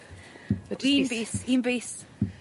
Un bys, un bys.